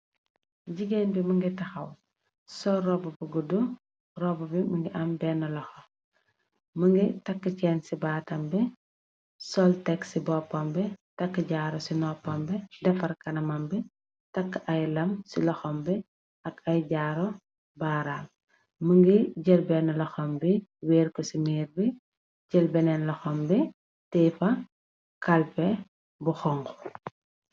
jigéen bi mogi taxaw sol roba bu guddu roba bi mogi am bena loxo mogui taka chain ci baatam bi sol tex ci boppambi taka jaaro ci noppambi defar kanamam bi takk ay lam ci loxam bi ak ay jaaro baaram mongi jel bena loxam bi wéer ko ci miir bi jel beneen loxom bi teefa kalbe bu xonu.